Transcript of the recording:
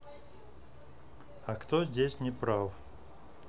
а кто здесь не прав